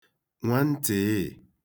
nwantị̀ịị̀